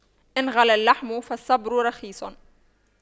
إن غلا اللحم فالصبر رخيص